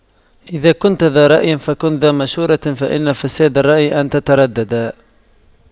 إذا كنتَ ذا رأيٍ فكن ذا مشورة فإن فساد الرأي أن تترددا